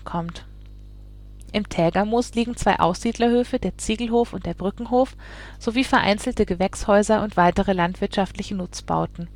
Tägermoos liegen zwei Aussiedlerhöfe, der Ziegelhof und der Brückenhof, sowie vereinzelte Gewächshäuser und weitere landwirtschaftliche Nutzbauten